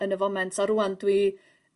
yn y foment a rŵan dwi